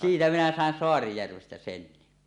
siitä minä sain Saarijärvestä sen